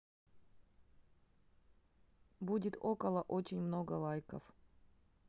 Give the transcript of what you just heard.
будет около очень много лайков